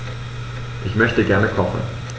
Ich möchte gerne kochen.